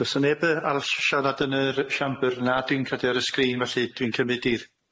Do's 'na neb arall siarad yn yr siambr na dwi'n cadw ar y sgrin felly dwi'n cymryd i'r